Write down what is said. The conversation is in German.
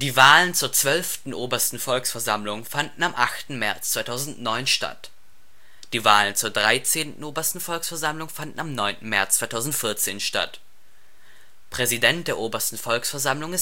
Wahlen zur 12. Obersten Volksversammlung fanden am 8. März 2009 statt. Die Wahlen zur 13. Obersten Volksversammlung fanden am 9. März 2014 statt. Präsident der Obersten Volksversammlung